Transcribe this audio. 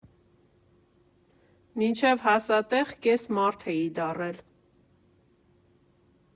Մինչև հասա տեղ՝ կես մարդ էի դառել։